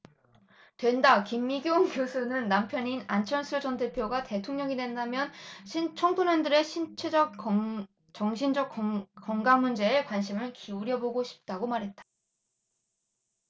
된다 김미경 교수는 남편인 안철수 전 대표가 대통령이 된다면 청소년들의 신체적 정신적 건강 문제에 관심을 기울여 보고 싶다고 말했다